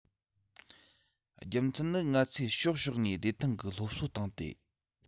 རྒྱུ མཚན ནི ང ཚོས ཕྱོགས ཕྱོགས ནས བདེ ཐང གི སློབ གསོ བཏང སྟེ